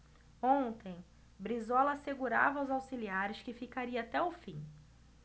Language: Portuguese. ontem brizola assegurava aos auxiliares que ficaria até o fim